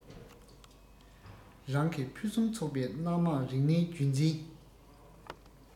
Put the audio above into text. རང གི ཕུན སུམ ཚོགས པའི སྣ མང རིག གནས རྒྱུན འཛིན